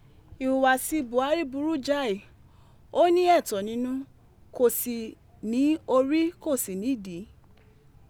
Ìhùwàsíi Buhari burú jáyì, ó ní ẹ̀tàn nínú, kò sì ní orí kò sì ní ìdí.